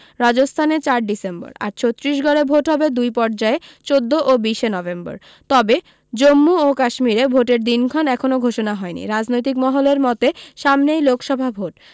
রাজস্থানে চার ডিসেম্বর আর ছত্তিশগড়ে ভোট হবে দুই পর্যায়ে চোদ্দ ও বিশ এ নভেম্বর তবে জমমু ও কাশ্মীরে ভোটের দিনক্ষণ এখনও ঘোষণা হয়নি রাজনৈতিক মহলের মতে সামনেই লোকসভা ভোট